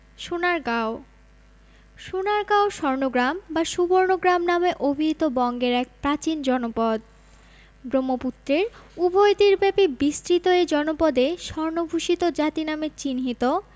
সোনারগাঁও সোনারগাঁও স্বর্ণগ্রাম বা সুবর্ণগ্রাম নামে অভিহিত বঙ্গের এক প্রাচীন জনপদ ব্রহ্মপুত্রের উভয় তীর ব্যাপী বিস্তৃত এই জনপদে স্বর্ণভূষিত জাতি নামে চিহ্নিত